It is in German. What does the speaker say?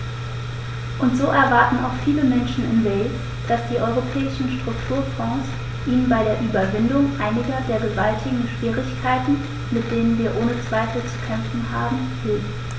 Und so erwarten auch viele Menschen in Wales, dass die Europäischen Strukturfonds ihnen bei der Überwindung einiger der gewaltigen Schwierigkeiten, mit denen wir ohne Zweifel zu kämpfen haben, hilft.